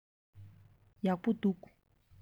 ཡག པོ འདུག